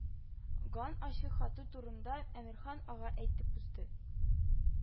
Ган ачык хаты турында әмирхан ага әйтеп узды